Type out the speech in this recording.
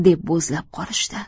deb bo'zlab qolishdi